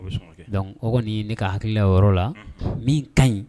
Donc ne ka hakili yɔrɔ la min ka ɲi